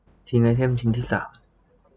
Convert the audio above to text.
ทิ้งไอเทมชิ้นที่สาม